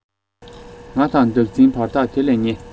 ང དང བདག འཛིན བར ཐག དེ ལས ཉེ